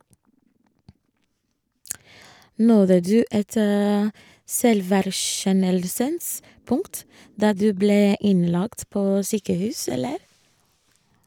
- Nådde du et selverkjennelsens punkt da du ble innlagt på sykehus, eller?